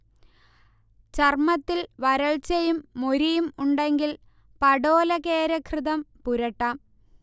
ചർമത്തിൽ വരൾച്ചയും മൊരിയും ഉണ്ടെങ്കിൽ പടോലകേരഘൃതം പുരട്ടാം